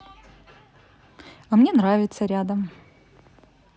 а мне нравится рядом